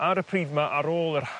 ar y prid' 'ma ar ôl yr